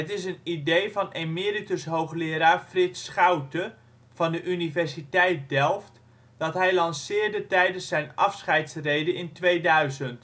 is een idee van emeritus hoogleraar Frits Schoute van de Universiteit Delft dat hij lanceerde tijdens zijn afscheidsrede in 2000